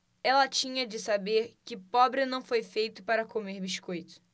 ela tinha de saber que pobre não foi feito para comer biscoito